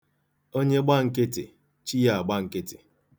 Onye gba nkịtị, chi ya agba nkịtị.